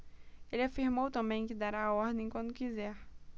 ele afirmou também que dará a ordem quando quiser